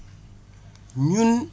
ñun